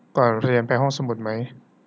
ก่อนเรียนไปห้องสมุดมั้ย